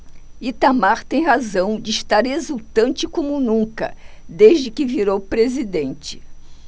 itamar tem razão de estar exultante como nunca desde que virou presidente